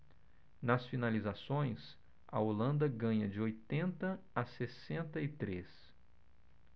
nas finalizações a holanda ganha de oitenta a sessenta e três